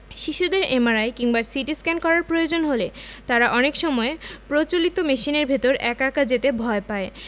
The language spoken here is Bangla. শিশুদের এমআরআই কিংবা সিটিস্ক্যান করার প্রয়োজন হলে তারা অনেক সময় প্রচলিত মেশিনের ভেতর একা একা যেতে ভয় পায়